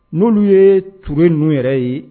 N'olu ye Ture ninnu yɛrɛ ye